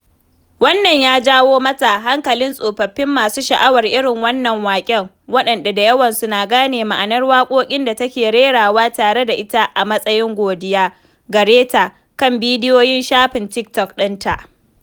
Wannan ya jawo mata hankalin tsofaffin masu sha’awar irin wannan waƙen, waɗanda da yawansu na gane ma’anar waƙoƙin da suke rerawa tare da ita a matsayin godiya gare ta kan bidiyoyin shafin TikTok ɗinta.